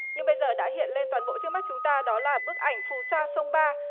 nhưng bây giờ đã hiện lên toàn bộ trước mắt chúng ta đó là bức ảnh phù sa sông ba